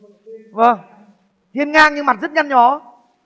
vâng hiên ngang nhưng mặt rất nhăn nhó